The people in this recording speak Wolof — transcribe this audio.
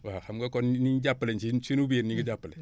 waaw xam nga kon ñun jàppale sun sunu biir ñu ngi jàppale